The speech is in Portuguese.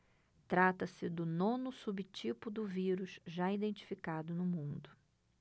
trata-se do nono subtipo do vírus já identificado no mundo